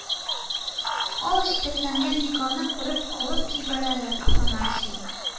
Ат җитәкләгән Егорны күреп елап җибәрде Афанасий: